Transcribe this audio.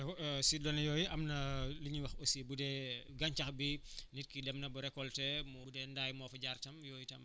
si données yooyu am na lu ñuy wax aussi bu dee gàncax bi nit ki dem na ba récolter mu bu dee ndaay moo fa jaar i tam yooyu tam